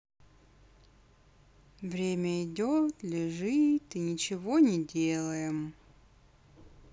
время идет лежит и ничего не делаем